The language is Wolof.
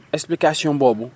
explication boobu